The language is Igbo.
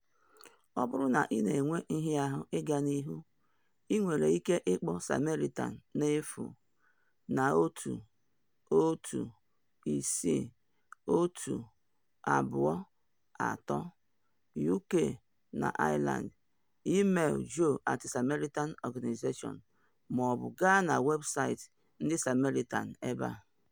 Ọ bụrụ na ị na enwe nhịahụ ịga n’ihu, ị nwere ike ịkpọ Samaritans n’efu na 116 123 (UK and Ireland), email jo@samaritans.org, ma ọ bụ gaa na weebụsaịtị ndị Samaritans ebe a.